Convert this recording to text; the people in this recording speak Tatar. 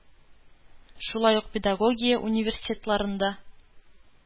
Шулай ук педагогия университетларында